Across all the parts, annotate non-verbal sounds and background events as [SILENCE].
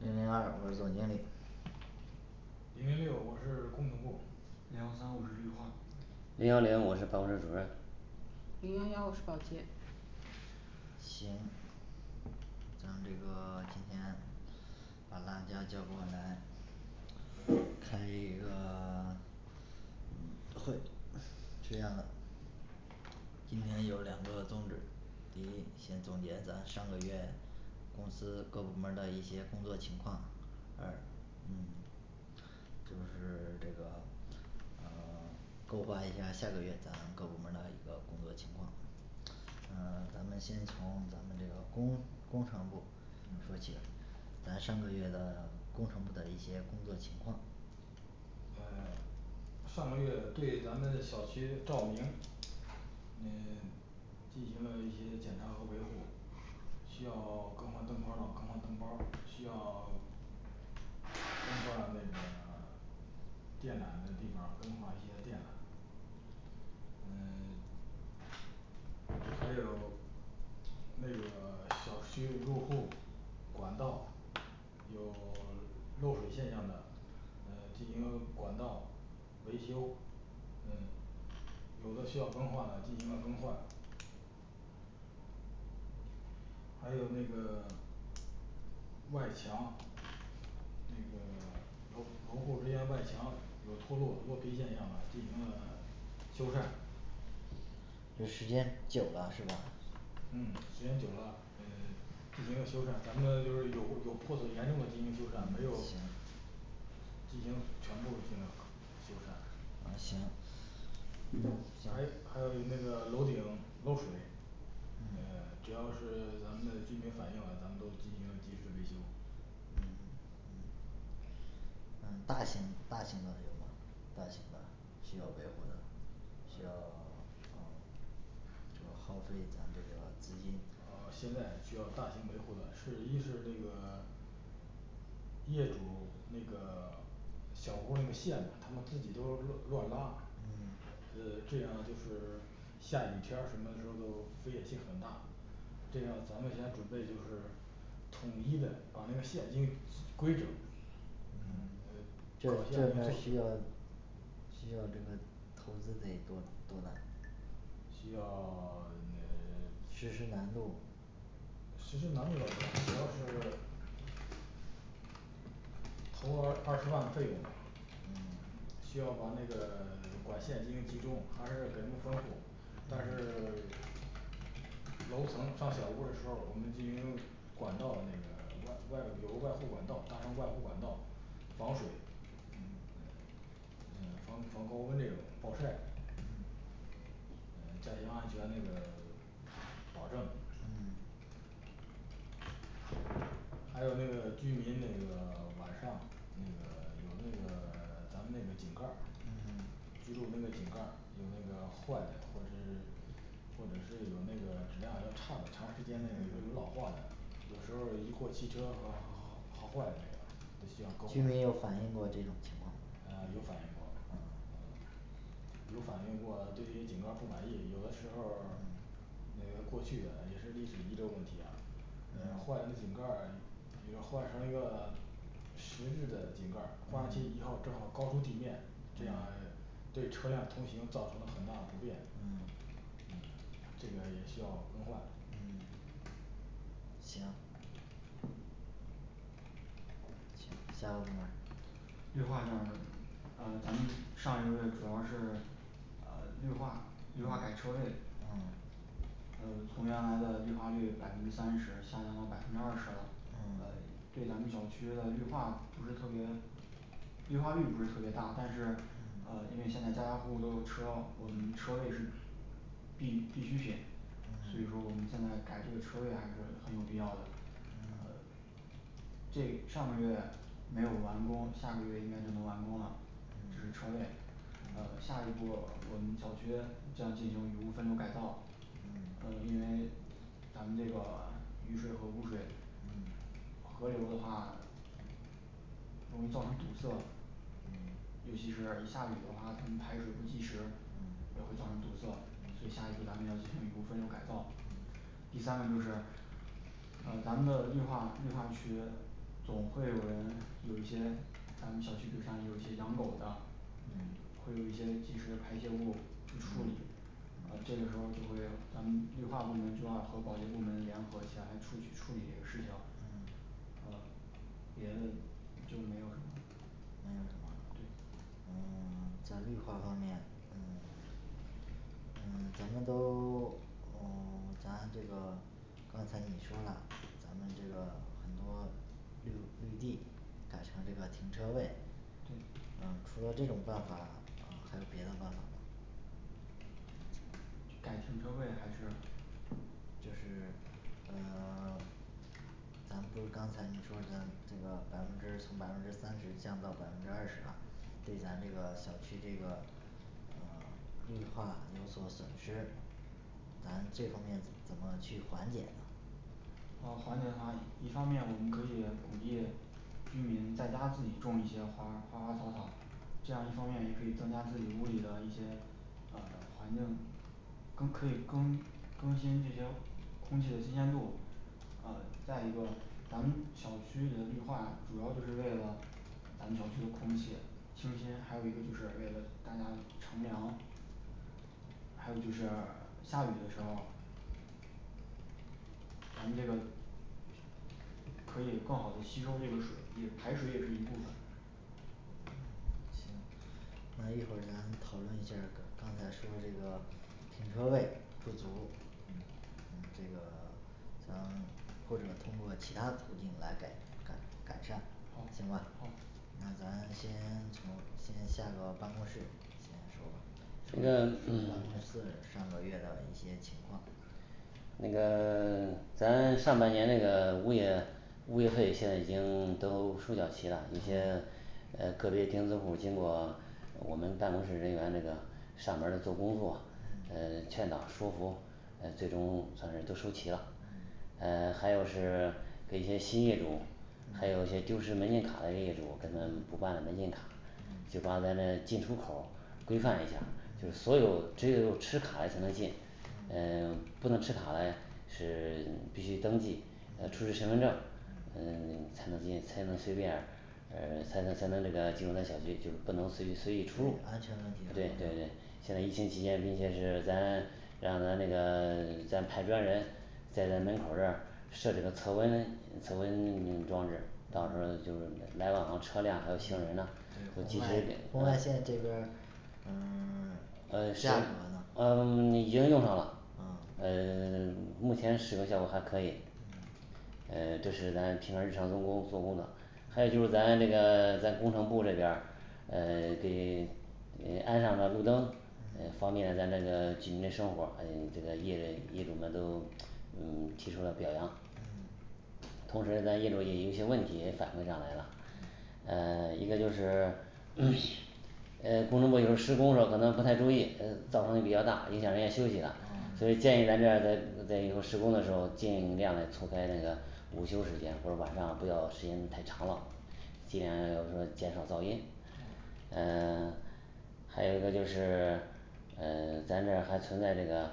零零二我是总经理零零六我是工程部零幺三我是绿化零幺零我是办公室主任零幺幺我是保洁行像这个今天把大家叫过来开一个 [SILENCE] 会这样的今天有两个宗旨，第一先总结咱上个月公司各部门儿的一些工作情况，二嗯就是这个嗯 [SILENCE] 勾画一下下个月咱各部门儿的一个工作情况。呃咱们先从咱们这个工工程部嗯说起，咱上个月的工程部的一些工作情况，呃上个月对咱们小区照明嗯进行了一些检查和维护。需要更换灯泡儿的更换灯包儿需要更换那个电缆的地方更换一些电缆嗯 [SILENCE] 还有 [SILENCE] 那个 [SILENCE] 小区入户儿管道有 [SILENCE] 漏水现象的呃进行管道维修嗯有的需要更换的进行了更换还有那个 [SILENCE] 外墙那个楼楼户之间外墙有脱落落皮现象的进行了修缮这时间久了是吧？嗯时间久了呃 [SILENCE] 进行一个修缮，咱们就是有有破损严重的进行修缮，没有行进行全部进行了修缮哦行还还有那个楼顶漏水嗯只要是咱们的居民反映了，咱们都进行了及时维修，嗯大型大型的这种大型的需要维护的需要 [SILENCE] 呃，这个耗费咱这个资金呃现在需要大型维护的，是一是那个业主 [SILENCE] 那个 [SILENCE] 小屋那个线呐他们自己都乱 [UNINTELLIGIBLE] 乱拉嗯呃这样就是 [SILENCE] 下雨天儿什么时候都风险性很大这样咱们先准备就是统一的把那个线进行归整嗯这呃搞一下这那边儿需要个需要这个投资得多少多少需要 [SILENCE] 那 [SILENCE] 实施难度实施难度倒不大，主要是 [SILENCE] 投了二十万的费用吧需要把那个 [SILENCE] 管线进行集中，还是给他们分户儿，但是 [SILENCE] 楼层上小屋的时候，我们进行管道那个外外有个外护管道加上外护管道，防水呃 [SILENCE] 呃防防高温这个暴晒嗯加强安全那个 [SILENCE] 保证还有那个居民那个 [SILENCE] 晚上那个有那个 [SILENCE] 咱们那个井盖儿记录那个井盖儿有那个坏的或者是或者是有那个质量要差的，长时间那个由于老化的，有时候儿一过汽车好好好好坏那个都需要沟居通民有反映过这种情况吗呃有反映过嗯有反映过对于井盖儿不满意，有的时候儿那也是过去的也是历史遗留问题呀呃坏了的井盖儿也换成一个 [SILENCE] 实质的井盖儿，放上去以后正好高出地面，这样儿对车辆通行造成了很大的不便，嗯嗯这个也需要更换。嗯行下个部门儿绿化这儿，呃咱们上一位主要是呃绿化绿化改车位啊呃从原来的绿化率百分之三十下降到百分之二十了。呃哦对，咱们小区的绿化不是特别绿化率不是特别大，但是呃因为现在家家户户都有车，我们车位是必必需品所以说我们现在改这个车位还是很 [UNINTELLIGIBLE] 很有必要的。呃这上个月没有完工，下个月应该就能完工了。这是车位呃下一步我们小区这样将雨污分流改造，呃因为咱们这个 [SILENCE] 雨水和污水合流的话容易造成堵塞嗯尤其是一下雨的话，咱们排水不及时，也嗯会造成堵塞所以下一步咱们要进行雨污分流改造。第三个，就是呃咱们的绿化绿化区总会有人有一些咱们小区比如像有一些养狗的，嗯会有一些及时的排泄物去处理呃这个时候就会咱们绿化部门就要和保洁部门联合起来出去处理这个事情。呃别的就没有什么。没有什么对嗯 [SILENCE] 在绿化方面嗯 [SILENCE] 咱们都 [SILENCE] 嗯 [SILENCE] 咱这个刚才你说了，咱们这个很多绿绿地改成这个停车位，对嗯除了这种办法，嗯还有别的办法吗？就改停车位还是？就是嗯 [SILENCE] 咱们就刚才你说的这个百分之从百分之三十降到百分之二十啦对咱这个小区这个呃 [SILENCE] 绿化有所损失，咱这方面怎么去缓解呢？呃缓解它一方面我们可以鼓励居民在家自己种一些花儿花花草草，这样一方面也可以增加自己屋里的一些呃 [SILENCE] 环境更可以更更新这些空气的新鲜度。呃再一个咱们小区的绿化主要就是为了咱们小区的空气清新，还有一个就是为了大家乘凉还有就是 [SILENCE] 下雨的时候，咱们这个可以更好的吸收这个水也排水也是一部分。行那一会儿咱讨论一下儿刚刚才说这个停车位不足嗯这嗯个咱或者通过其他途径来改改改善，行好吧好那咱先从先下个办公室先说这个这个嗯办公室上个月的一些情况，那个 [SILENCE] 咱上半年这个物业物业费现在已经都收缴齐了一些，呃个别钉子户儿经过我们办公室人员这个上门儿做工作，呃劝导说服呃最终算是都收齐了。呃 [SILENCE] 还有是 [SILENCE] 给一些新业主，还有一些丢失门禁卡的这业主，跟咱们补办门禁卡，嗯就把咱嘞进出口儿规范一下，就是所有只有持卡嘞才能进，呃 [SILENCE] 不能持卡嘞是 [SILENCE] 必须登记呃出示身份证嗯嗯 [SILENCE] 才能进才能随便儿呃才能才能这个进入咱小区就是不能随意随意出入安全问对题对对现在疫情期间毕竟是咱让咱这个 [SILENCE] 再派专人在咱门口儿这儿设置个测温测温装置，到时候就是来往的车辆，还有行人呐。都及红时外嘞红外线这边儿嗯 [SILENCE] 嗯是这样嗯 [SILENCE] 已经用上了嗯嗯 [SILENCE] 目前使用效果还可以呃这是咱平常日常生活中做工作，还有就是咱这个咱工程部这边儿嗯给嗯安上了路灯，嗯方便咱那个居民生活，嗯这个业业主们都嗯提出了表扬。同时咱业主也有些问题也反馈上来啦呃一个就是 [CROSSTALK] 呃工程部有时施工时候可能不太注意，呃噪声比较大影响人家休息啦，所嗯以建议咱这儿在在以后施工的时候尽量的除在那个午休时间或者晚上不要时间太长喽既然咱就说减少噪音嗯呃 [SILENCE] 还有一个就是嗯咱这儿还存在这个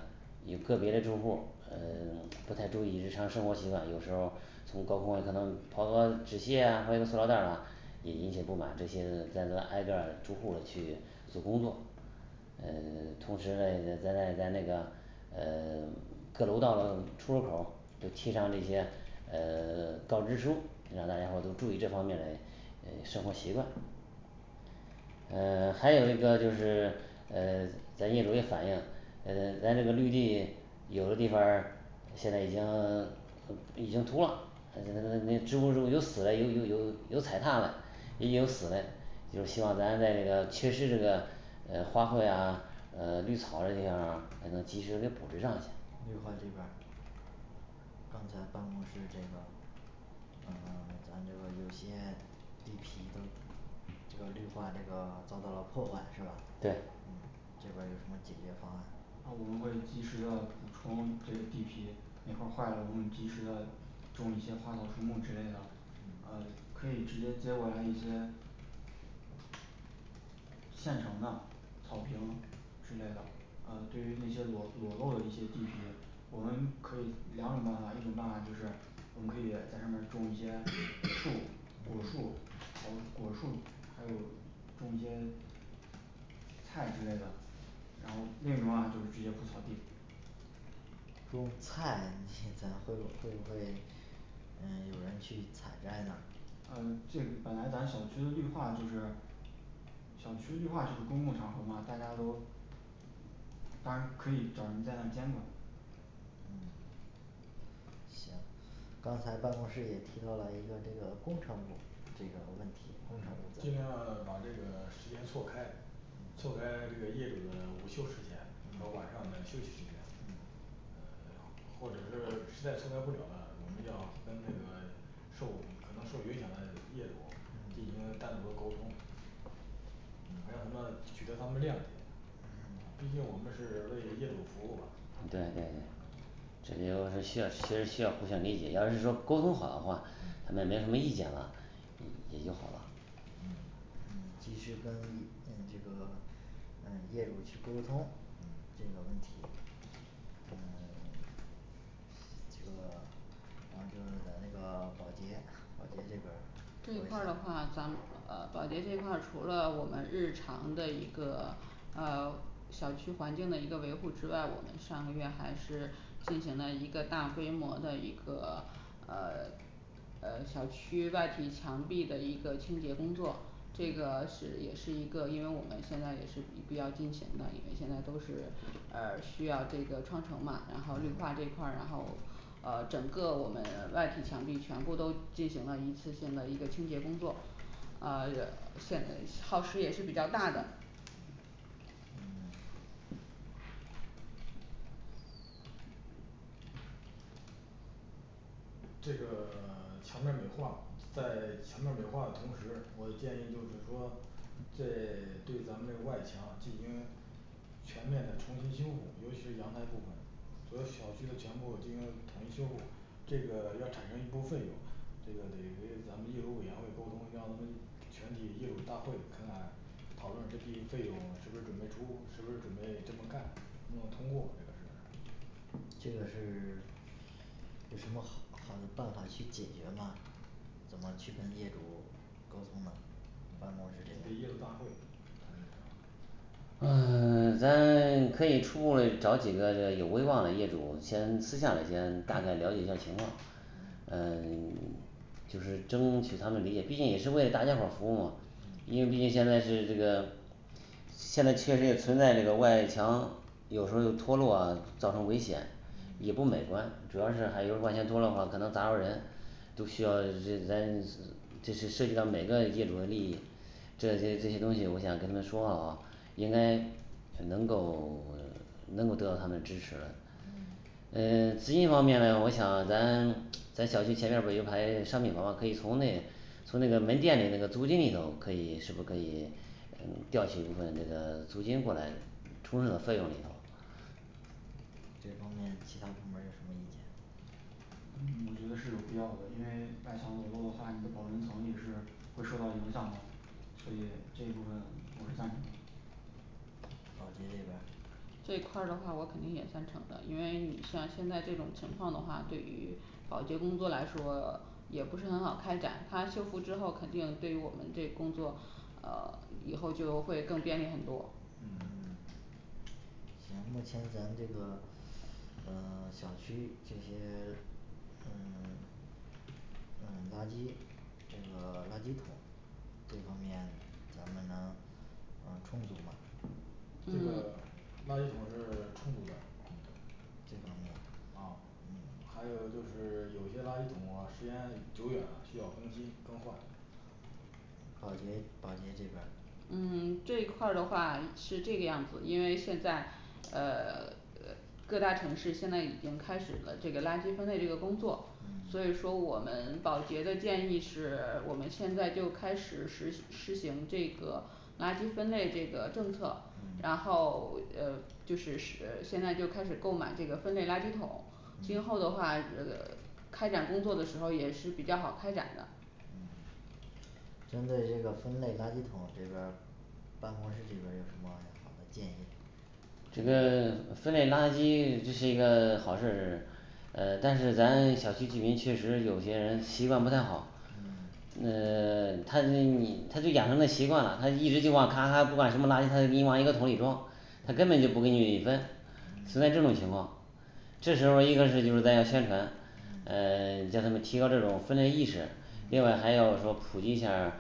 有个别的住户呃不太注意日常生活习惯，有时候从高空啊可能抛个纸屑呀抛一个塑料袋儿啦也引起了不满，这些的咱给他挨个儿逐户地去做工作。嗯 [SILENCE] 同时嘞咱在咱那个呃 [SILENCE] 各楼道出入口儿都贴上那些呃 [SILENCE] 告知书，让大家伙儿都注意这方面嘞诶生活习惯。呃 [SILENCE] 还有一个就是 [SILENCE] 呃咱业主也反映，呃咱这个绿地有的地方儿现在已经 [SILENCE] [CROSSTALK] 已经秃了，呃那止不住有死嘞，有有有有踩踏嘞，也有死嘞，就希望咱在这个缺失这个呃花卉啊呃绿草这些啊呃能及时给补置上去绿化这块儿，刚才办公室这个嗯 [SILENCE] 咱这个有些地皮的这个绿化这个遭到了破坏是吧？对嗯这边儿有什么解决方案那我们会及时的补充，这地皮哪块儿坏了，我们及时的种一些花草树木之类的，嗯呃可以直接接过来一些现成的草坪之类的，呃对于那些裸裸露的一些地皮，我们可以两种办法，一种办法就是我们可以在上面儿种一些树果树，还有果树还有种一些菜之类的。然后另一个方法就是直接铺草地种菜，现在会不会不会嗯有人去采摘呢？呃这个 [UNINTELLIGIBLE] 本来咱小区的绿化就是小区绿化就是公共场合嘛，大家都当然可以找人在那监管嗯行刚才办公室也提到了一个这个工程部这个问题，工程部尽量把这个时间错开错开这个业主的午休时间和晚嗯上的休息时间嗯或者是实在错开不了了，我们要跟那个受可能受影响的业主儿进行单独的沟通，嗯让他们取得他们的谅解。毕竟我们是为业主服务嘛，对对嗯这就需要其实需要互相理解，要是说沟通好的话，他嗯们没什么意见了嗯也就好啦嗯嗯及时跟这个嗯业主去沟通嗯这个问题嗯 [SILENCE] 这个 [SILENCE] 让这个呃那个保洁保洁这边儿这一块儿的话咱们呃保洁这块儿除了我们日常的一个啊小区环境的一个维护之外，我们上个月还是进行了一个大规模的一个呃呃小区外体墙壁的一个清洁工作，这个是也是一个因为我们现在也是比比较尽情的，因为现在都嗯是呃需要这个创城嘛，然后绿嗯化这块儿，然后呃整个我们 [SILENCE] 外体墙壁全部都进行了一次性的一个清洁工作，啊也限耗时也是比较大的嗯嗯这个 [SILENCE] 墙面儿美化在墙面儿美化的同时，我建议就是说在对咱们这个外墙进行这个事 [SILENCE] [CROSSTALK] 有什么好 [UNINTELLIGIBLE] 好的办法去解决吗？怎么去跟业主沟通呢？办公室这得业主个大会同意才能嗯 [SILENCE] 咱 [SILENCE] 可以初步嘞找几个这个有威望的业主，先私下里先大概了解一下情况，呃 [SILENCE] 就是争取他们理解毕竟也是为大家伙儿服务嘛，因为毕竟现在是这个现在确实也存在这个外墙有时候就脱落啊造成危险，也不美观，主要是还有外墙脱落话可能砸到人都需要是 [UNINTELLIGIBLE] 人这是涉及到每个业主的利益，这些实际东西我想跟他们说好，应该能够 [SILENCE] 能够得到他们支持。嗯呃资金方面呢，我想咱咱小区前面儿不是有排商品房吗，可以从那从那个门店里那个租金里头可以是不可以嗯调取一部分这个租金过来？充这个费用里头，这方面其他部门儿有什么意见？保洁这边儿这一块儿的话我肯定也赞成的，因为你像现在这种情况的话，对于保洁工作来说也不是很好开展，它修复之后肯定对于我们这工作呃 [SILENCE] 以后就会更便利很多。嗯嗯咱目前咱们这个呃小区这些 [SILENCE] 呃 [SILENCE] 嗯垃圾这个垃圾桶这方面咱们能能充足吗嗯还有就是 [SILENCE] 有些垃圾桶啊时间久远了，需要更新更换。保洁保洁这边儿嗯这一块儿的话是这个样子，因为现在呃 [SILENCE] 各大城市现在已经开始了这个垃圾分类这个工作，所嗯以说我们保洁的建议是 [SILENCE] 我们现在就开始实实行这个垃圾分类这个政策，然嗯后 [SILENCE] 呃就是使现在就开始购买这个分类垃圾桶今嗯后的话呃开展工作的时候也是比较好开展的嗯针对这个分类垃圾桶这边儿，办公室这边儿有什么好的建议？这个 [SILENCE] 分类垃圾 [SILENCE] 这是一个好事儿 [SILENCE] 呃但是咱 [SILENCE] 小区居民确实有些人习惯不太好嗯嗯 [SILENCE] 他他就养成了习惯了，他一直就往咔咔，不管什么垃圾，他都给你往一个桶里装，他根本就不给你分，存在这种情况。这时候儿一个是就是咱要宣传嗯呃 [SILENCE] 让他们提高这种分类意识，另外还要说普及一下儿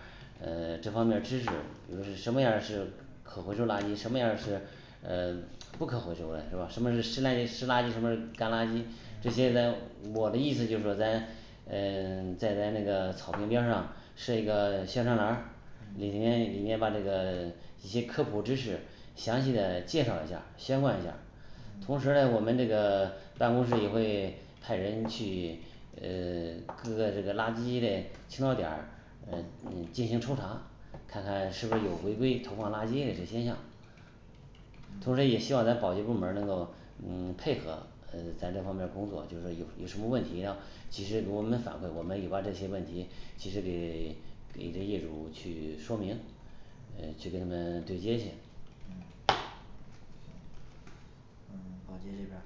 呃这方面儿知识比如什么样是可回收垃圾，什么样是呃不可回收类是吧？什么是湿嘞湿垃圾，什么是干垃圾这些咱，我的意思就是说咱嗯 [SILENCE] 在咱那个草坪边儿上设一个宣传栏儿嗯里面里面把这个 [SILENCE] 一些科普知识详细的介绍一下儿，宣贯一下儿同时嘞我们这个 [SILENCE] 办公室也会 [SILENCE] 派人去呃 [SILENCE] 各个这个垃圾的清扫点儿呃嗯进行抽查看看是不是有违规嗯投放垃圾嘞现象同时也希望咱保洁部门儿能够嗯配合呃咱这方面儿工作，就是有有什么问题要及时我们反馈我们也把这些问题及时给 [SILENCE] 给这业主去说明，呃去跟他们对接去。嗯行嗯，保洁这边儿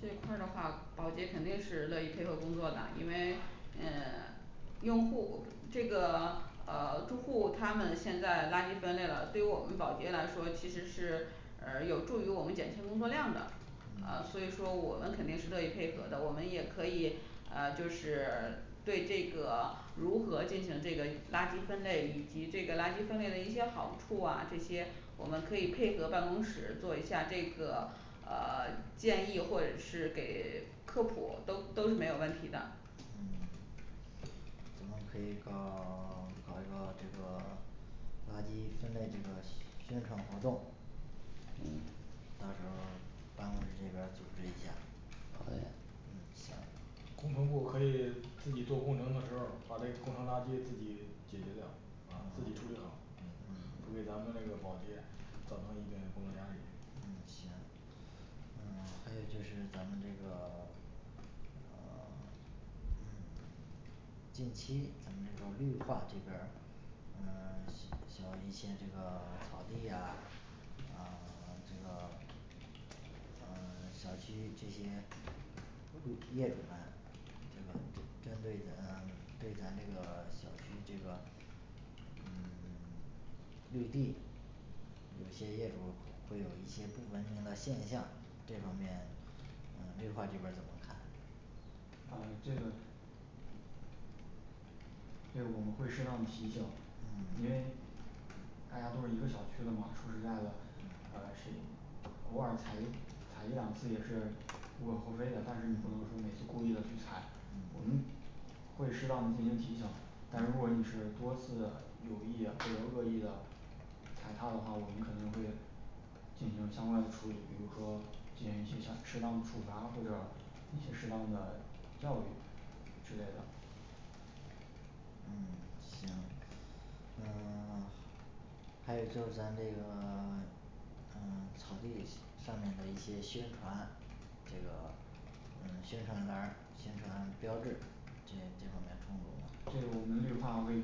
这块儿的话，保洁肯定是乐于配合工作的，因为呃 [SILENCE] 用户这个 [SILENCE] 呃住户他们现在垃圾分类了，对于我们保洁来说其实是呃有助于我们减轻工作量的，呃嗯所以说我们肯定是乐于配合的，我们也可以啊就是 [SILENCE] 对这个 [SILENCE] 如何进行这个垃圾分类以及这个垃圾分类的一些好处啊，这些我们可以配合办公室做一下这个呃 [SILENCE] 建议，或者是给 [SILENCE] 科普都都是没有问题的。嗯我们可以搞 [SILENCE] 搞一个这个垃圾分类这个宣传活动嗯到时候办公室这边儿组织一下。好嘞。嗯行工程部可以自己做工程的时候儿，把这个工程垃圾自己解决掉，啊自己处理好嗯嗯不给咱们这个保洁造成一定的工作压力嗯行，嗯还有就是咱们这个 [SILENCE] 嗯嗯近期这个绿化这边儿嗯 [SILENCE] 像一些这个草地呀呃 [SILENCE] 这个嗯小区这些物业主们对吧针对的对咱这个小区这个嗯 [SILENCE] 绿地有些业主会有一些不文明的现象，这方面嗯绿化这边儿怎么看？啊这个这个我们会适当提醒嗯，因为大家都是一个小区的嘛，说实在的嗯嗯谁偶尔踩一踩一两次也是无可厚非的，但是你不能说每次故意的去踩，嗯我们会适当的进行提醒，但如果你是多次有意或者恶意的踩踏的话我们肯定会进行相关的处理，比如说进行一些像适当的处罚，或者一些适当的教育之类的。嗯，行，嗯 [SILENCE] 还有就是咱这个 [SILENCE] 呃 [SILENCE] 草地上面的一些宣传，这个嗯宣传栏儿宣传标志这这方面充足吗这个我们绿化为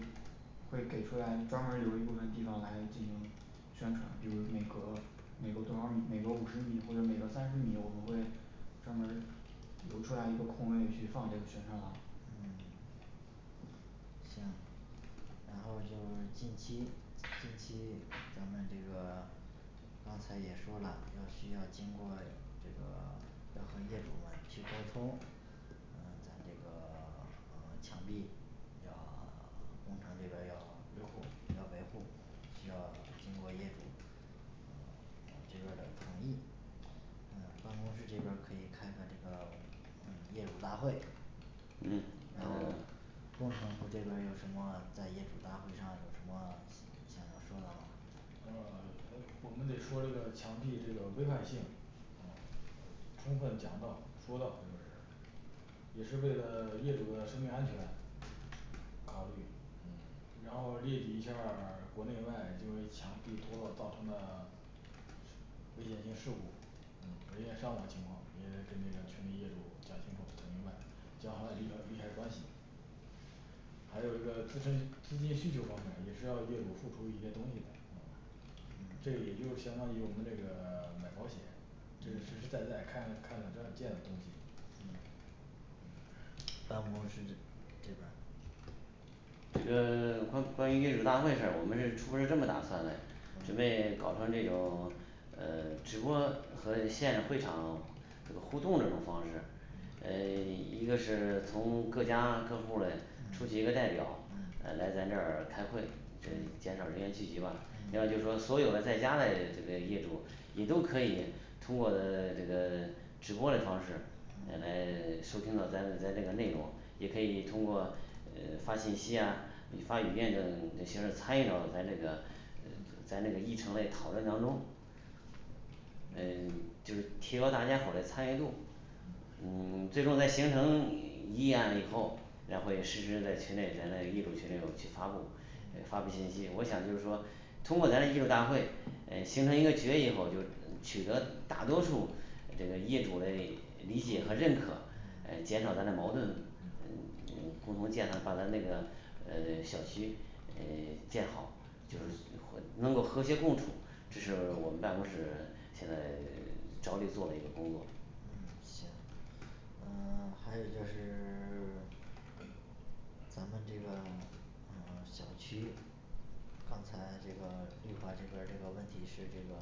会给出来专门儿留一部分地方来进行宣传，比如每隔每隔多少米，每隔五十米或者每隔三十米，我们会专门儿留出来一个空位去放这个宣传栏儿。嗯行。然后就是近期近期咱们这个 [SILENCE] 刚才也说啦，要需要经过这个 [SILENCE] 要和业主们去沟通，嗯 [SILENCE] 这个 [SILENCE] 墙壁要 [SILENCE] 工程这边儿要维护要维护，需要经过业主呃这边儿的同意。嗯办公室这边儿可以开个这个嗯业主大会嗯然后工程部这边儿有什么在业主大会上有什么想要说的吗？嗯 [SILENCE] 诶我们得说这个墙壁这个危害性，呃充分讲到说到这个事也是为了业主的生命安全考虑嗯然后列举一下儿国内外就是墙壁脱落，造成的危险性事故嗯人员伤亡情况也得跟那个群里业主讲清楚，讲明白，讲好利好利害关系还有一个自身资金需求方面儿也是要业主付出一些东西的，这也就相当于我们这个 [SILENCE] 买保险，这是实实在在看的看的这见的东西。嗯办公室室这边儿这个 [SILENCE] 关关于业主大会这儿我们这是初步是这么打算嘞，准备搞成这种呃直播和现场会场互动的这种方式诶 [SILENCE] 一个是从各家各户儿嘞出嗯去，一个代表啊嗯来咱这儿开会，就是嗯减少人员聚集吧，然后就嗯说所有的在家嘞这个业主，也都可以通过呃这个直播的方式呃来收听到咱，咱这个内容也可以通过呃发信息呀嗯发文件这种这些个参与到咱这个嗯咱这个议程嘞讨论当中嗯 [SILENCE] 就是提高大家伙儿的参与度，嗯 [SILENCE] 最后再形成意见以后，然后会实时在群里咱在业主群里头去发布呃发布信息，我想就是说通过咱业主大会诶形成一个决议以后，就是取得大多数这个业主嘞理解和认可，嗯减少咱的矛盾嗯，嗯共同建设把咱这个呃小区诶 [SILENCE] 建好，就是 [CROSSTALK] 能够和谐共处，这是我们办公室现在 [SILENCE] 着力做的一个工作。嗯，行嗯 [SILENCE] 还有一个是 [SILENCE] 咱们这个嗯小区刚才这个绿化这边儿这个问题是这个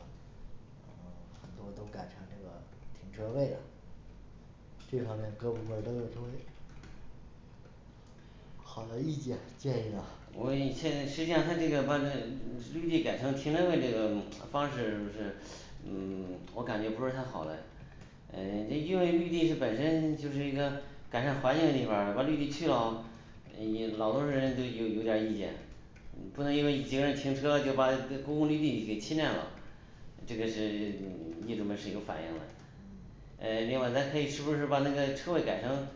嗯很多都改成这个停车位了，这方面各部门儿都有什么好的意见建议吗我现在实际上它这个把这呃绿地改成停车位，这个方式不是嗯我感觉不是太好嘞嗯因因为绿地本身就是一个改善环境嘞地方儿，把绿地去咯，你老多人都有有点儿意见嗯不能因为几个人停车就把这公共绿地给侵占了，这个事 [SILENCE] 嗯业主们是有反映的。呃另外咱可以是不是把那个车位改成